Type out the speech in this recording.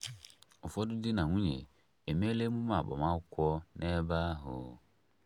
Ụfọdụ di na nwunye emeela emume agbamakwụkwọ n'ebe ahụ.